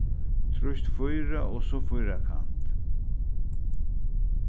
trýst fýra og so fýrakant